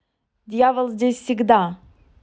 дьявол здесь всегда